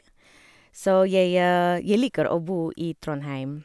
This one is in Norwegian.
Så jeg jeg liker å bo i Trondheim.